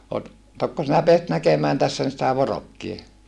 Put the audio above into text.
tokko sinä pääsit näkemään tässä sitä vorokkia